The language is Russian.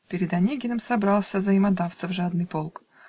Перед Онегиным собрался Заимодавцев жадный полк.